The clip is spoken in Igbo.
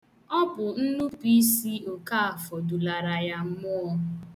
Ọ bụ nnupuisi Okaafọ dulara ya mmụọ.